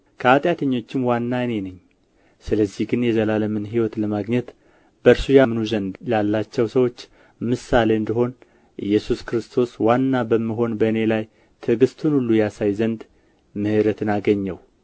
ከኃጢአተኞችም ዋና እኔ ነኝ ስለዚህ ግን የዘላለምን ሕይወት ለማግኘት በእርሱ ያምኑ ዘንድ ላላቸው ሰዎች ምሳሌ እንድሆን ኢየሱስ ክርስቶስ ዋና በምሆን በእኔ ላይ ትዕግስቱን ሁሉ ያሳይ ዘንድ ምህረትን አገኘሁ